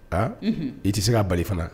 A i tɛ se ka bali fana